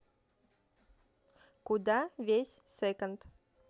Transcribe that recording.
куда весь second